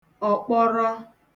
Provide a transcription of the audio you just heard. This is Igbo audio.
ọ̀kpọrọ